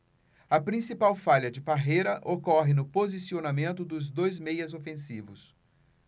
a principal falha de parreira ocorre no posicionamento dos dois meias ofensivos